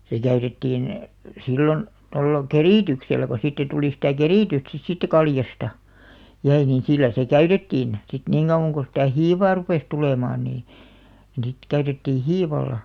se käytettiin silloin tuolla kerityksellä kun siitä tuli sitä keritystä sitten siitä kaljasta jäi niin sillä se käytettiin sitten niin kauan kuin sitä hiivaa rupesi tulemaan niin sitten käytettiin hiivalla